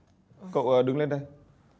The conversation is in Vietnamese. cậu ờ đứng lên đây